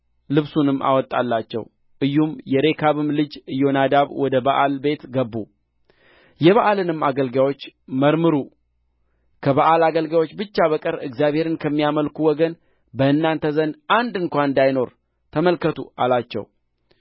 ልብሱንም አወጣላቸው ኢዩም የሬካብም ልጅ ኢዮናዳብ ወደ በኣል ቤት ገቡ የበኣልንም አገልጋዮች መርምሩ ከበኣል አገልጋዮች ብቻ በቀር እግዚአብሔርን ከሚያመልኩ ወገን በእናንተ ዘንድ አንድ እንኳ እንዳይኖር ተመልከቱ አላቸው